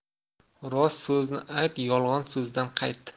rost so'zni ayt yolg'on so'zdan qayt